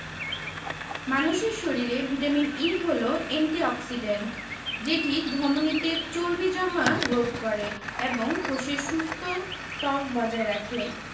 মানুষের শরীরে vitamin E হলো এন্টি অক্সিডেন্ট যেটি ধমনিতে চর্বি জমা রোধ করে এবং কোষের সুস্থ ত্বক বজায় রাখে